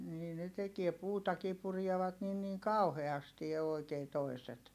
niin ne tekee puutakin purevat niin niin kauheasti oikein toiset